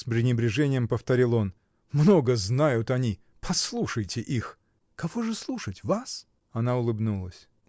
— с пренебрежением повторил он, — много знают они: послушайте их! — Кого же слушать: вас? Она улыбнулась.